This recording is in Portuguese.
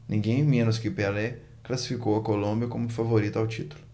ninguém menos que pelé classificou a colômbia como favorita ao título